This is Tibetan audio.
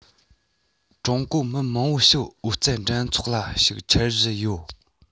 ཀྲུང གོ མི མང པོ ཞིག ཨོ རྩལ འགྲན ཚོགས ལ ཞུགས འཆར གཞི ཡོད